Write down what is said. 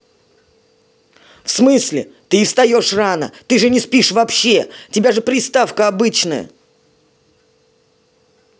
в смысле ты и встаешь рано ты же не спишь вообще тебя же приставка обычная